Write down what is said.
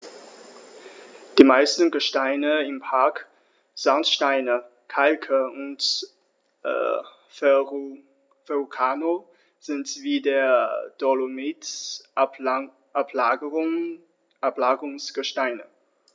Die meisten Gesteine im Park – Sandsteine, Kalke und Verrucano – sind wie der Dolomit Ablagerungsgesteine.